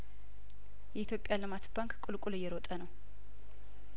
የኢትዮጵያ ልማት ባንክ ቁልቁል እየሮጠ ነው